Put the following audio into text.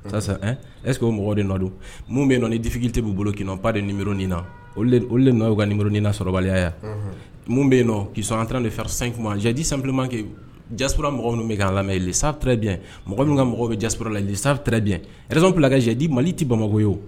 Sisan ɛseke o mɔgɔ de nɔ don minnu bɛ nɔ nifiki tɛ b' bolona paa de nirin na olu nɔo ka ninrin nasɔrɔbali yan minnu bɛ yen nɔ kiisɔn ant de fara san zji sanpmankɛ jara mɔgɔ bɛ ka an lamɛn sa tid mɔgɔ min ka mɔgɔ bɛ ja lali sa tid rerz fila ka zdi malili tɛ bamakɔ ye